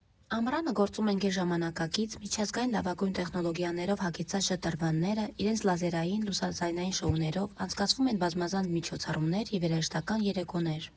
Ամռանը գործում են գերժամանակակից, միջազգային լավագույն տեխնոլոգիաներով հագեցած շատրվանները՝ իրենց լազերային, լուսաձայնային շոուներով, անցկացվում են բազմազան միջոցառումներ և երաժշտական երեկոներ։